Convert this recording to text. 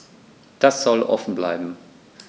Das soll offen bleiben.